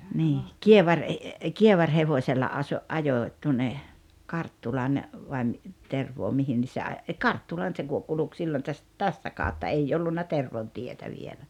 niin -- kievarihevosella - ajoin tuonne Karttulan vai - Tervoon mihin niin se -- Karttulaan se - kulki silloin - tästä kautta ei ollut Tervon tietä vielä